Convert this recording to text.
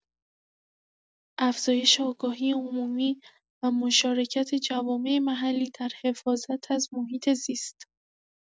افزایش آگاهی عمومی و مشارکت جوامع محلی در حفاظت از محیط‌زیست